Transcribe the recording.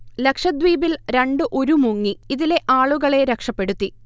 ലക്ഷദ്വീപിൽ രണ്ട് ഉരു മുങ്ങി ഇതിലെആളുകളെ രക്ഷപെടുത്തി